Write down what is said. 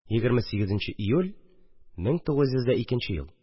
28 нче июль, 1902 ел